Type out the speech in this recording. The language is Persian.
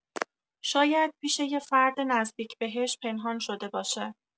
شاید پیش یه فرد نزدیک بهش پنهان شده باشه.